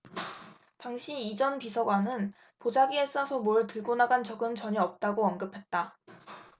당시 이 전 비서관은 보자기에 싸서 뭘 들고 나간 적은 전혀 없다고 언급했다